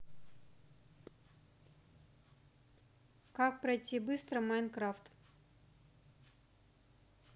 как пройти быстро майнкрафт